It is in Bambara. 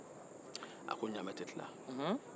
a ko ɲaame tɛ tila